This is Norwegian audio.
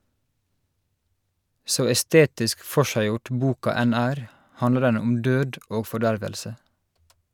Så estetisk forseggjort boka enn er, handler den om død og fordervelse.